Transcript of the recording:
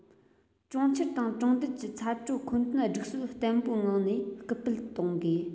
གྲོང ཁྱེར དང གྲོང རྡལ གྱི ཚ དྲོད མཁོ འདོན སྒྲིག སྲོལ བརྟན པོའི ངང ནས སྐུལ སྤེལ གཏོང དགོས